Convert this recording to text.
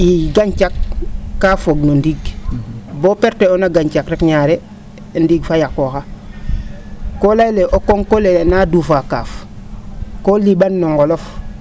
i gañcax kaa fog no ndiig boo perta'oona gañcax rek ñaale ndiig fa yaqooxa koo layel lee o ko?ko le naa duufa kaaf koo lii?an no nqolof hi?